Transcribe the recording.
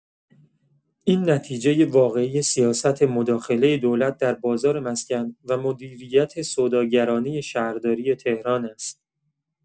این نتیجۀ واقعی سیاست مداخلۀ دولت در بازار مسکن و مدیریت سوداگرانه شهرداری تهران است.